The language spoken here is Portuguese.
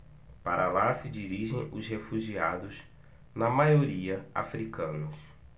para lá se dirigem os refugiados na maioria hútus